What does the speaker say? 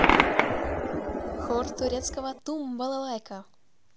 хор турецкого тум балалайка